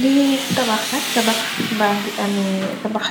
Lii tabax la tabax ba ngi ame tabax